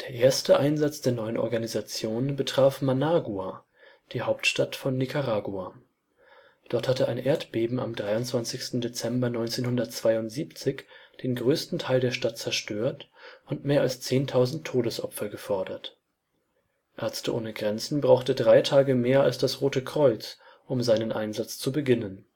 erste Einsatz der neuen Organisation betraf Managua, die Hauptstadt von Nicaragua. Dort hatte ein Erdbeben am 23. Dezember 1972 den größten Teil der Stadt zerstört und mehr als 10.000 Todesopfer gefordert. MSF brauchte drei Tage mehr als das Rote Kreuz, um seinen Einsatz zu beginnen